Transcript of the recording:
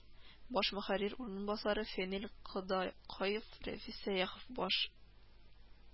Баш мөхәррир урынбасары , фәнил кодакаев, рәфис сәяхов баш